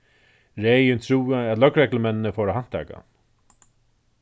regin trúði at løgreglumenninir fóru at handtaka hann